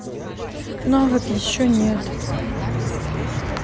навык еще нет